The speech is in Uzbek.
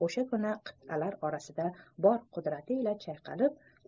o'sha kuni qit'alar orasida bor qudrati ila chayqalib